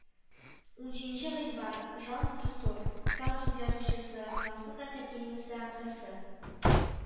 Унҗиденче гыйнвар жан дютур, француз язучысы, француз академиясе әгъзасы